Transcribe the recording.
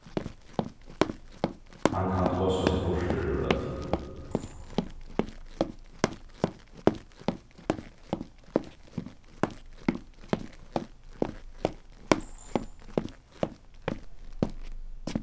hann kann tosa seg burtur úr øllum